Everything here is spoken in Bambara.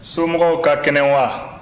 somɔgɔw ka kɛnɛ wa